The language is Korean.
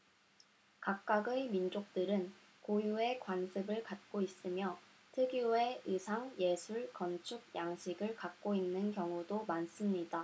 각각의 민족들은 고유의 관습을 갖고 있으며 특유의 의상 예술 건축 양식을 갖고 있는 경우도 많습니다